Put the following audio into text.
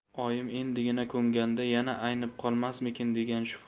oyim endigina ko'nganda yana aynib qolmasmikin degan